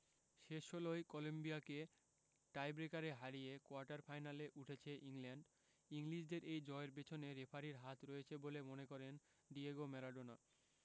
শেষ ষোলোয় কলম্বিয়াকে টাইব্রেকারে হারিয়ে কোয়ার্টার ফাইনালে উঠেছে ইংল্যান্ড ইংলিশদের এই জয়ের পেছনে রেফারির হাত রয়েছে বলে মনে করেন ডিয়েগো ম্যারাডোনা